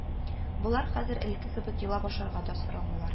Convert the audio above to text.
Болар хәзер элекке кебек елап ашарга да сорамыйлар